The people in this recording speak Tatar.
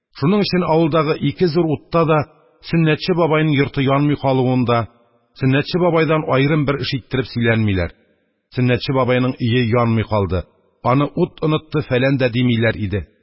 Шуның өчен авылдагы ике зур утта да Сөннәтче бабайның йорты янмый калуын да Сөннәтче бабайдан аерым бер эш иттереп сөйләнмиләр, Сөннәтче бабайның өе янмый калды, аны ут онытты-фәлән дә, димиләр иде.